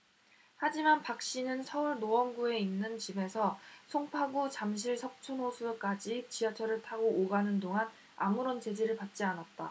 하지만 박씨는 서울 노원구에 있는 집에서 송파구 잠실 석촌호수까지 지하철을 타고 오가는 동안 아무런 제지를 받지 않았다